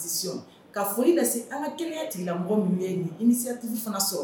Ka foli lase an ka kɛnɛya tigilamɔgɔ minnu ye ni initiative fana sɔrɔ.